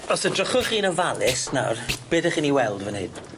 Os edrychwch chi'n ofalus nawr be' 'dych chi'n 'i weld fyn hyn?